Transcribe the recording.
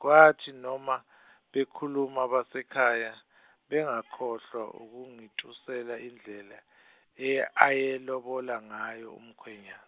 kwathi noma, bekhuluma abasekhaya, bangakhohlwa ukungitusela indlela, e ayelobola ngayo umkhwenya-.